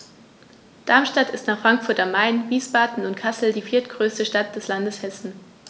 Darmstadt ist nach Frankfurt am Main, Wiesbaden und Kassel die viertgrößte Stadt des Landes Hessen